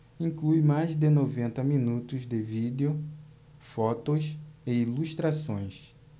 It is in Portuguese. inclui mais de noventa minutos de vídeo fotos e ilustrações